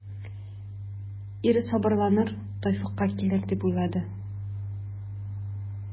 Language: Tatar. Ире сабырланыр, тәүфыйкка килер дип уйлады.